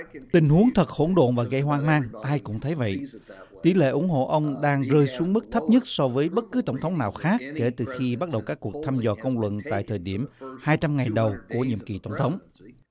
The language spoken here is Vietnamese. tình huống thật hỗn độn và gây hoang mang ai cũng thấy vậy tỷ lệ ủng hộ ông đang rơi xuống mức thấp nhất so với bất cứ tổng thống nào khác kể từ khi bắt đầu các cuộc thăm dò công luận tại thời điểm hai trăm ngày đầu của nhiệm kỳ tổng thống